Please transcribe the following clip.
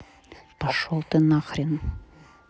пошел ты нахрен